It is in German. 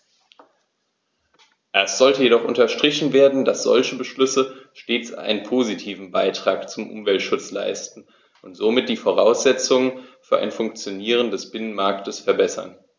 Es sollte jedoch unterstrichen werden, dass solche Beschlüsse stets einen positiven Beitrag zum Umweltschutz leisten und somit die Voraussetzungen für ein Funktionieren des Binnenmarktes verbessern.